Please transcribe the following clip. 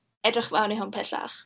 Edrych fewn i hwn pellach.